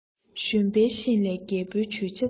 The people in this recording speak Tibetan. གཞོན པའི ཤེད ལས རྒད པོའི ཇུས བྱ བཟང